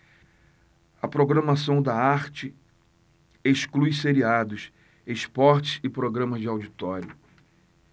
a programação da arte exclui seriados esportes e programas de auditório